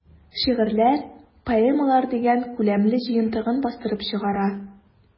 "шигырьләр, поэмалар” дигән күләмле җыентыгын бастырып чыгара.